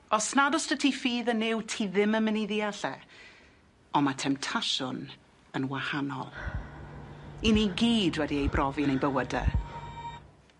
Os nad o's 'dy ti ffydd yn Nuw, ti ddim yn myn' i ddeall e on' ma' temtasiwn yn wahanol 'yn ni gyd wedi ei brofi yn ein bywyde.